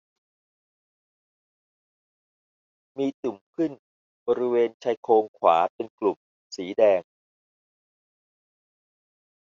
มีตุ่มขึ้นบริเวณชายโครงขวาเป็นกลุ่มสีแดง